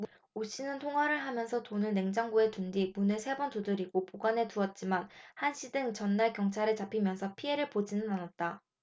오씨는 통화를 하면서 돈을 냉장고에 둔 뒤 문을 세 번 두드리고 보관해 두었지만 한씨 등이 전날 경찰에 잡히면서 피해를 보지는 않았다